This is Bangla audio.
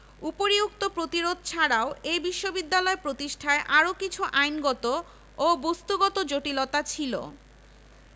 এবং প্রাদেশিক কোষাগার থেকে এ খাতে ব্যয়ের পরিমাণ ১১ লক্ষ ৬ হাজার ৫১০ টাকা থেকে ২২ লক্ষ ৫ হাজার ৩৩৯ টাকায় বৃদ্ধি করা হয়